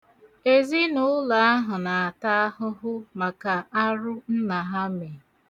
Ezinụlọ ahụ na-ata ahụhụ maka arụ nna ha mee.